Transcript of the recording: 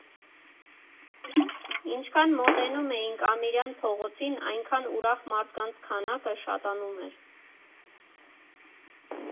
Ինչքան մոտենում էինք Ամիրյան փողոցին, այնքան ուրախ մարդկանց քանակը շատանում էր։